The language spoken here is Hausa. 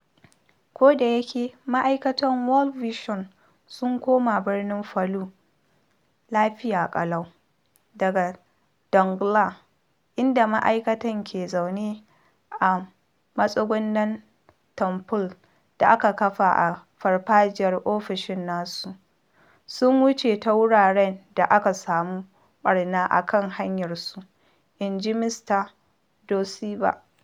Kodayake ma’aikatan World Vision sun koma birnin Palu lafiya ƙalau daga Donggala, inda ma’aikatan ke zaune a matsugunan tanfol da aka kafa a farfajiyar ofishin nasu, sun wuce ta wuraren da aka samu ɓarnar akan hanyarsu, inji Mista Doseba.